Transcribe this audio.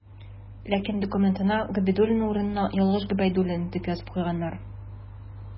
Ләкин документына «Габидуллина» урынына ялгыш «Гобәйдуллина» дип язып куйганнар.